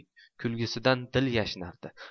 kulgisidan dil yashnardi